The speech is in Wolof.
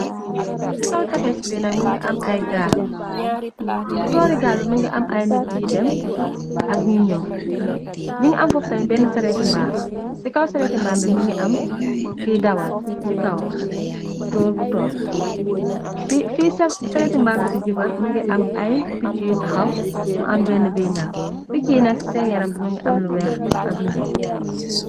Si kaw tefes bi nak mogi am ay gaal ci bori gaal bi mongi am ay nit yi dem ak ñi ñyow ñyungi am foftami bena sareti mbaam si kaw sereti mbaam bi mongi ki dawal si kawam ci goor bu toog fi sareti mbaam bi di jubal mongi am ay picca yu taxaw mu am bena boi naaw picc yi nak ci seen yaram bi mongi am lu weex ak lu ñuul.